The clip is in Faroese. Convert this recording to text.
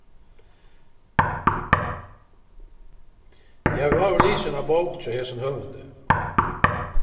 eg havi áður lisið eina bók hjá hesum høvundi